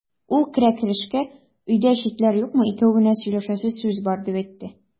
Ул керә-керешкә: "Өйдә читләр юкмы, икәү генә сөйләшәсе сүз бар", дип әйтте.